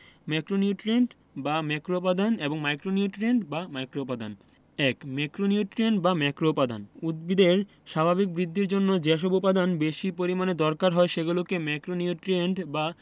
macronutrient বা ম্যাক্রোউপাদান এবং মাইক্রোনিউট্রিয়েন্ট বা মাইক্রোউপাদান ১ ম্যাক্রোনিউট্রিয়েন্ট বা ম্যাক্রোউপাদান উদ্ভিদের স্বাভাবিক বৃদ্ধির জন্য যেসব উপাদান বেশি পরিমাণে দরকার হয় সেগুলোকে ম্যাক্রোনিউট্রিয়েন্ট বা